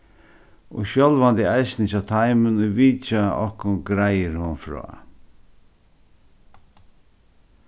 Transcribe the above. og sjálvandi eisini hjá teimum ið vitja okkum greiðir hon frá